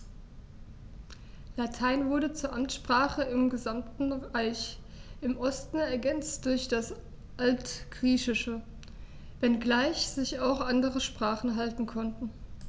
Latein wurde zur Amtssprache im gesamten Reich (im Osten ergänzt durch das Altgriechische), wenngleich sich auch andere Sprachen halten konnten.